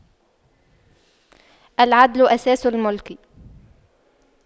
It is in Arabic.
العدل أساس الْمُلْك